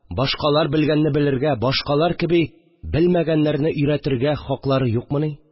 Башкалар белгәнне белергә, башкалар кеби, белмәгәннәрне өйрәтергә хаклары юкмыни